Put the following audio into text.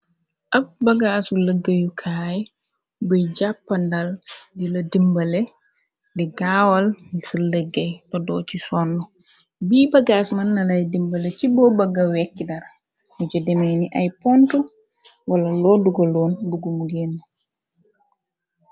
Ab bagaasu lëggeyukaay buy jàppandal dila dimbale di gaawal sa lëggéy todoo ci sonn bi bagaas mën nalay dimbale ci boo bëgga wekki dara mu jo demee ni ay pont wala loodugoloon buggumu genn.